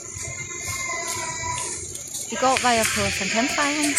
I går var jeg på sankthansfeiring.